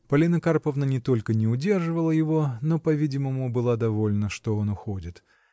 Полина Карповна не только не удерживала его, но, по-видимому, была довольна, что он уходит.